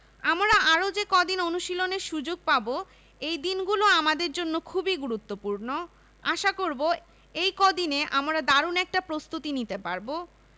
আমরা আরও যে কদিন অনুশীলনের সুযোগ পাব এই দিনগুলো আমাদের জন্য খুবই গুরুত্বপূর্ণ আশা করব এই কদিনে আমরা দারুণ একটা প্রস্তুতি নিতে পারব